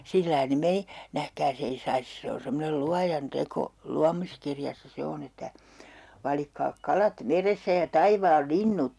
sillä lailla ne meni nähkääs ei saisi se on semmoinen Luojan teko luomiskirjassa se on että valitkaa kalat vedestä ja taivaan linnut